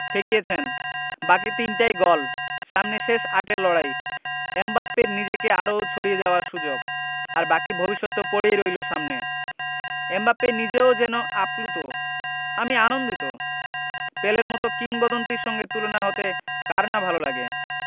ঠেকিয়েছেন বাকি তিনটাই গোল সামনে শেষ আটের লড়াই এমবাপ্পের নিজেকে আরও ছাড়িয়ে যাওয়ার সুযোগ আর বাকি ভবিষ্যৎ তো পড়েই রইল সামনে এমবাপ্পে নিজেও যেন আপ্লুত আমি আনন্দিত পেলের মতো কিংবদন্তির সঙ্গে তুলনা হতে কার না ভালো লাগে